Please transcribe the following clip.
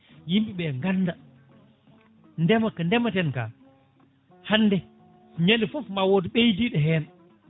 yimɓeɓe ganda ndeema ka ndeematen ka hande ñande foof ma woot ɓeydiɗo hen